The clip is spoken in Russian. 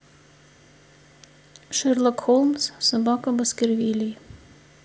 шерлок холмс собака баскервилей